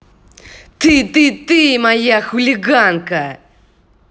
ты ты ты моя хулиганка